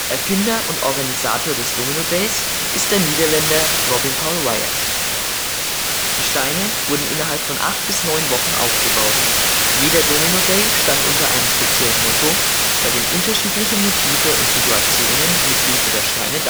Erfinder und Organisator des Domino Days ist der Niederländer Robin Paul Weijers. Die Steine wurden innerhalb von acht bis neun Wochen aufgebaut. Jeder Domino Day stand unter einem speziellen Motto, bei dem unterschiedliche Motive und Situationen mithilfe der Steine